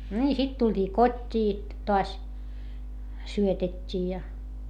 niin sitten tultiin kotiin taas syötettiin ja